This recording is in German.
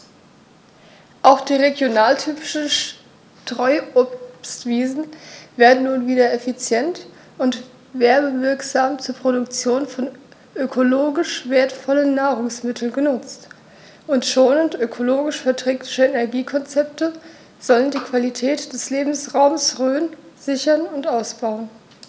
Auch die regionaltypischen Streuobstwiesen werden nun wieder effizient und werbewirksam zur Produktion von ökologisch wertvollen Nahrungsmitteln genutzt, und schonende, ökologisch verträgliche Energiekonzepte sollen die Qualität des Lebensraumes Rhön sichern und ausbauen.